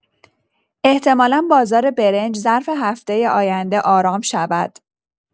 احتمالا بازار برنج ظرف هفته آینده آرام شود.